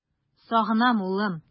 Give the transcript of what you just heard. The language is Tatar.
Сагынам, улым!